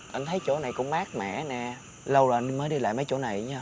anh thấy chỗ này cũng mát mẻ nè lâu rồi anh mới đi lại mấy chỗ này ấy nha